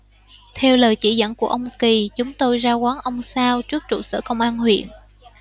theo lời chỉ dẫn của ông kỳ chúng tôi ra quán ông sao trước trụ sở công an huyện